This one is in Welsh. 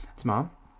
Timod?